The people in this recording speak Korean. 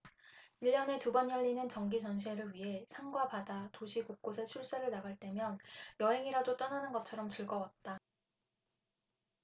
일 년에 두 번 열리는 정기 전시회를 위해 산과 바다 도시 곳곳에 출사를 나갈 때면 여행이라도 떠나는 것처럼 즐거웠다